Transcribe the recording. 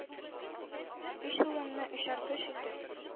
— өч улымны, очар кош итеп,